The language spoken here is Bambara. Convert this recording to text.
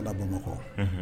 A bamakɔ kɔrɔ